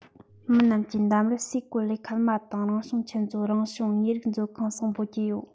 མི རྣམས ཀྱིས འདམ རར སའི གོ ལའི ཁལ མ དང རང བྱུང ཆུ མཛོད རང བྱུང དངོས རིགས མཛོད ཁང སོགས འབོད ཀྱི ཡོད